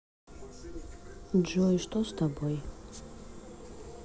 джой что с тобой